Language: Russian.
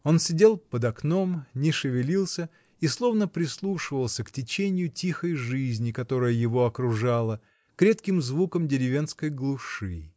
Он сидел под окном, не шевелился и словно прислушивался к теченью тихой жизни, которая его окружала, к редким звукам деревенской глуши.